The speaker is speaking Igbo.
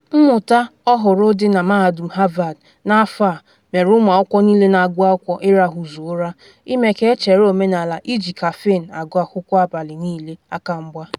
Mmụta ọ hụrụ dị na Mahadum Harvard n’afọ a mere ụmụ akwụkwọ niile na-agụ akwụkwọ ịrahụzu ụra, ime ka echere omenala iji kafin agụ akwụkwọ ‘abalị niile’ aka mgba.’